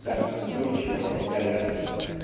так настойчиво повторяться.